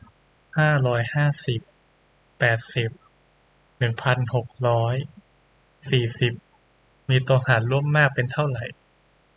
ห้าร้อยห้าสิบแปดสิบหนึ่งพันหกร้อยสี่สิบมีตัวหารร่วมมากเป็นเท่าไหร่